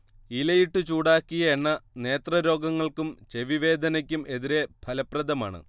ഇലയിട്ട് ചൂടാക്കിയ എണ്ണ നേത്രരോഗങ്ങൾക്കും ചെവിവേദനയ്ക്കും എതിരെ ഫലപ്രദമാണ്